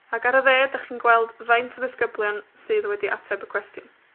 Ac ar y dde, 'dach chi'n gweld faint o ddisgyblion sydd wedi ateb y cwestiwn.